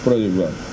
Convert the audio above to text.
projet bi waaw